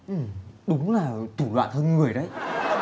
ừ đúng là thủ đoạn hơn người đấy